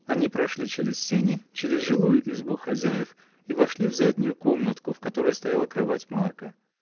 Они прошли через сени, через жилую избу хозяев и вошли в заднюю комнатку, в которой стояла кровать Марка.